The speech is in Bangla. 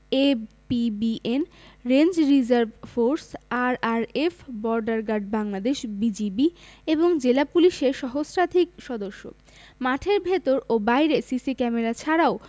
APBN range reserve force RRF border guard Bangladesh BGB এবং জেলা পুলিশের সহস্রাধিক সদস্য মাঠের ভেতর ও বাইরে সিসি ক্যামেরা ছাড়াও